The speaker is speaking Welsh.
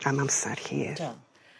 Am amser hir. Do.